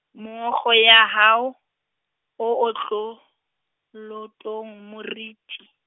meokgo ya hao, o o hlo, loto moriti.